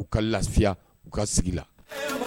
U ka lafiya u ka sigi la